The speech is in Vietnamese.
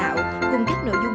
chương